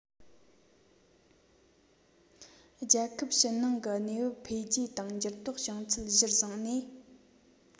རྒྱལ ཁབ ཕྱི ནང གི གནས བབ འཕེལ རྒྱས དང འགྱུར ལྡོག བྱུང ཚུལ གཞིར བཟུང ནས